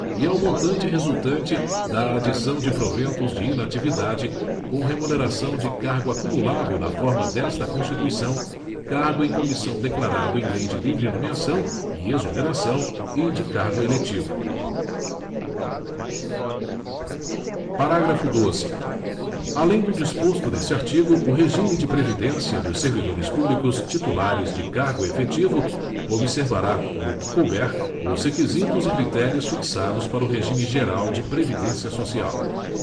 e ao montante resultante da adição de proventos de inatividade com remuneração de cargo acumulável na forma desta constituição cargo em comissão declarado em lei de livre nomeação e exoneração e de cargo eletivo parágrafo doze além do disposto neste artigo o regime de previdência dos servidores públicos titulares de cargo efetivo observará no que couber os requisitos e critérios fixados para o regime geral de previdência social